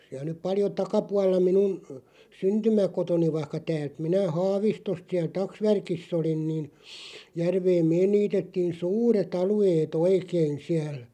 siellä nyt paljon takapuolella minun syntymäkotini vaikka täältä minä Haavistosta siellä taksvärkissä olin niin järveen me niitettiin suuret alueet oikein siellä